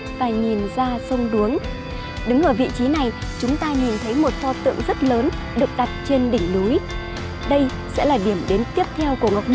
và nhìn ra sông đuống đứng ở vị trí này chúng ta nhìn thấy một pho tượng rất lớn được đặt trên đỉnh núi đây sẽ là điểm đến tiếp theo của ngọc nhi